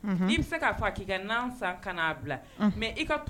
Ka san bila